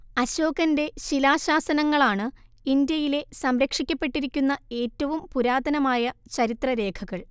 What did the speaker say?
അശോകന്റെ ശിലാശാസനങ്ങളാണ്‌ ഇന്ത്യയിലെ സംരക്ഷിക്കപ്പെട്ടിരിക്കുന്ന ഏറ്റവും പുരാതനമായ ചരിത്രരേഖകൾ